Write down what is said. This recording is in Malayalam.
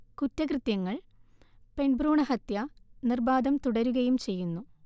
കുറ്റകൃത്യങ്ങൾ, പെൺഭ്രൂ ണഹത്യ നിർബാധം തുടരുകയും ചെയ്യുന്നു